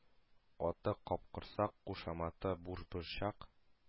Аты — Капкорсак, кушаматы Бушборчак